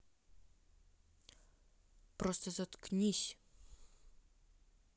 просто заткнись